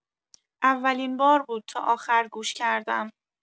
اولین بار بود تا آخر گوش کردم.